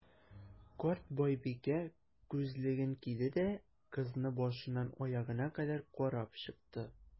Карт байбикә, күзлеген киде дә, кызны башыннан аягына кадәр карап чыкты.